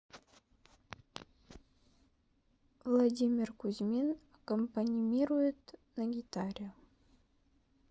владимир кузьмин аккомпанирует на гитаре